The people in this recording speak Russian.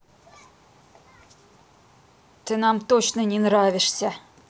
ты нам точно не нравишься